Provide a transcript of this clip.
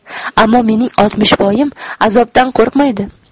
ammo mening oltmishvoyim azobdan qo'rqmaydi